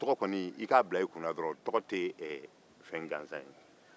i k'a bila i kun na dɔrɔn tɔgɔ tɛ fɛn gansan ye